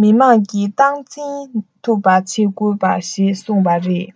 མི དམངས ཀྱིས སྟངས འཛིན ཐུབ པ བྱེད དགོས ཞེས གསུངས པ རེད